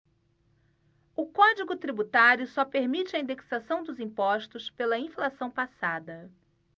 o código tributário só permite a indexação dos impostos pela inflação passada